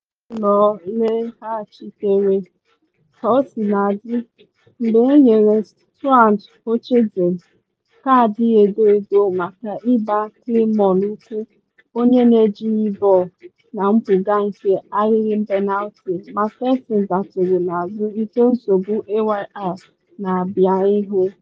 Otu ahụ nọ n’ụlọ laghachitere, kaosiladị, mgbe enyere Struan Hutchinson kaadị edo-edo maka ịgba Climo ụkwụ onye na ejighi bọọlụ, na mpụga nke ahịrị penalti, MacPherson daturu n’azụ nke nsogbu Ayr na abịa ihu.